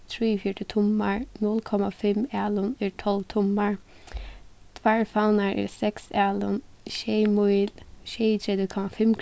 trýogfjøruti tummar null komma fimm alin eru tólv tummar tveir favnar eru seks alin sjey míl sjeyogtretivu komma fimm